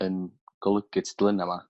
yn golygu tudalena 'ma